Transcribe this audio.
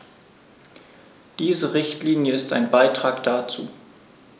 Diese Richtlinie ist ein Beitrag dazu.